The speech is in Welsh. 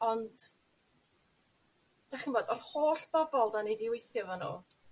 Ond dych chi'n gwbod o'r holl bobol 'dan ni 'di weithio 'fo nhw